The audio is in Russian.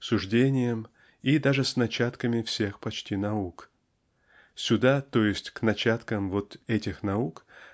суждением и даже с начатками всех почти наук. Сюда то есть к начаткам вот этих наук